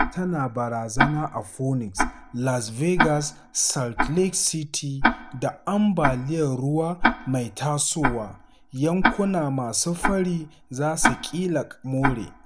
Babbar Guguwar Rosa Tana Barazana a Phoenix, Las Vegas, Salt Lake City Da Ambaliyar Ruwa Mai Tasowa (Yankuna Masu Fari Za Su Ƙila More)